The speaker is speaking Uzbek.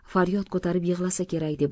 faryod ko'tarib yig'lasa kerak deb